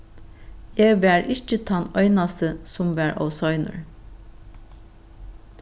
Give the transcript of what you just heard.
eg var ikki tann einasti sum var ov seinur